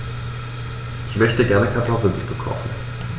Ich möchte gerne Kartoffelsuppe kochen.